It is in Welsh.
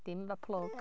Dim efo plwg.